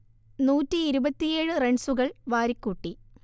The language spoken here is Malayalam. നൂറ്റിയിരുപത്തിയേഴ് റൺസുകൾ വാരിക്കൂട്ടി